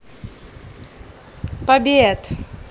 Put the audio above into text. побед